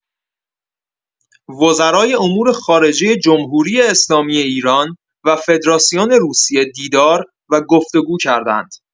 وزرای امور خارجه جمهوری‌اسلامی ایران و فدراسیون روسیه دیدار و گفت‌وگو کردند.